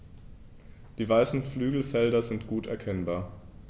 Die weißen Flügelfelder sind gut erkennbar.